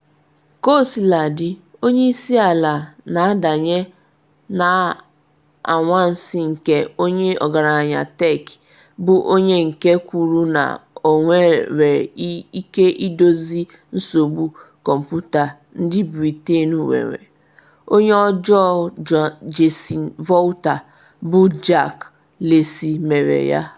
Kosiladị, onye isi ala na-adanye na anwansi nke onye ọgaranya tech, bụ onye nke kwuru na ọ nwere ike idozi nsogbu kọmputa ndị Britain nwere: onye ọjọọ Jason Volta bụ Jake Lacy mere ya.